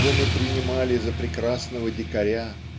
кого мы принимали за прекрасного дикаря